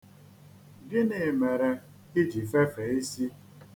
Gịnị mere i ji fefee isi?